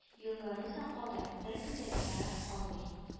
Йолаларны саклауда беркем дә битараф калмый